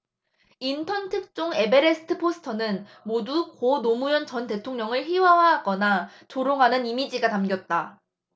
인턴 특종 에베레스트 포스터는 모두 고 노무현 전 대통령을 희화화하거나 조롱하는 이미지가 담겼다